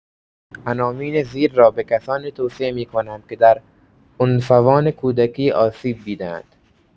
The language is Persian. عناوین زیر را به کسانی توصیه می‌کنم که در عنفوان کودکی آسیب دیده‌اند.